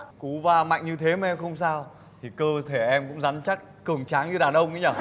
cú va mạnh như thế mà em không sao thì cơ thể em cũng rắn chắc cường tráng như đàn ông ấy nhở